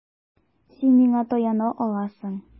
Син миңа таяна аласың.